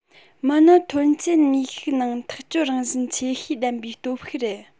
མི ནི ཐོན སྐྱེད ནུས ཤུགས ནང ཐག གཅོད རང བཞིན ཆེ ཤོས ལྡན པའི སྟོབས ཤུགས རེད